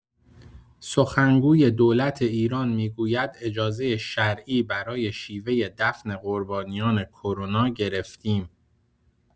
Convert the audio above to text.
سخنگوی دولت ایران می‌گوید اجازه شرعی برای شیوه دفن قربانیان کرونا گرفتیم.